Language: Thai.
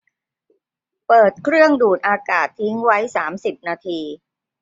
เปิดเครื่องดูดอากาศทิ้งไว้สามสิบนาที